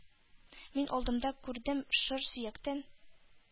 Мин алдымда күрдем шыр сөяктән